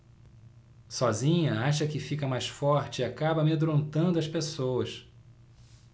sozinha acha que fica mais forte e acaba amedrontando as pessoas